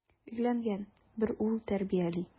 Өйләнгән, бер ул тәрбияли.